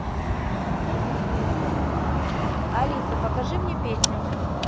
алиса покажи мне песню